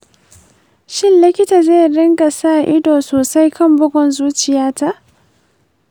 shin likita zai rika sa ido sosai kan bugun zuciyata?